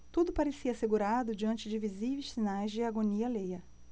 tudo parecia assegurado diante de visíveis sinais de agonia alheia